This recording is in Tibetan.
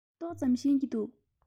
ཏོག ཙམ ཤེས ཀྱི འདུག